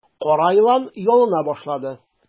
Кара елан ялына башлады.